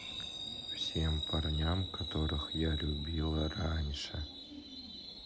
всем парням которых я любила раньше